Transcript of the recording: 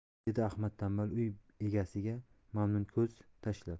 dedi ahmad tanbal uy egasiga mamnun ko'z tashlab